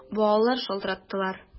Балалар шалтыраттылар!